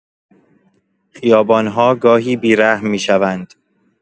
خیابان‌ها گاهی بی‌رحم می‌شوند.